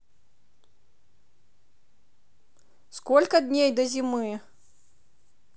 сколько дней до зимы